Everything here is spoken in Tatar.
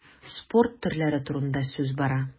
Спорт төрләре турында сүз бара.